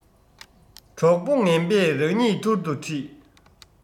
གྲོགས པོ ངན པས རང ཉིད ཐུར དུ འཁྲིད